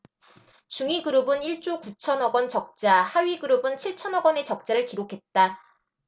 중위그룹은 일 조 구천 억원 적자 하위그룹은 칠천 억원 의 적자를 기록했다